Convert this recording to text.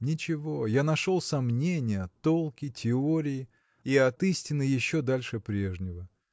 ничего: я нашел сомнения, толки, теории. и от истины еще дальше прежнего.